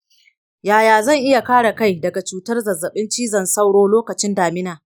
yaya zan iya kare kai daga cutar zazzabin cizon sauro lokacin damina?